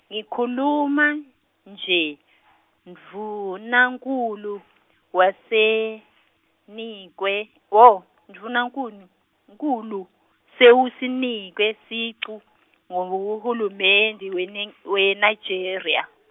ngikhuluma, nje, ndvunankhulu, wasenikwe, oh, ndvunankhulu, nkhulu, sewusinikiwe sicu, nguhulumende weNing-, weNigeria .